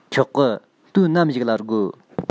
ཆོག གི དུས ནམ ཞིག ལ དགོས